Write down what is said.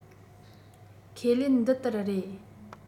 ཁས ལེན འདི ལྟར རེད